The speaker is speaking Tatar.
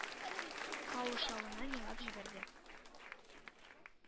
Каушавыннан елап җибәрде.